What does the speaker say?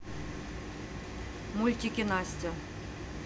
мультики настя